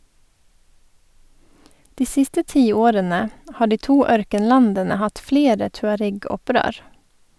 De siste tiårene har de to ørkenlandene hatt flere tuareg-opprør.